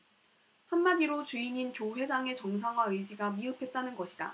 한마디로 주인인 조 회장의 정상화 의지가 미흡했다는 것이다